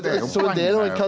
det er jo poenget.